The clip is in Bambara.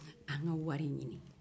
an ka wari ɲini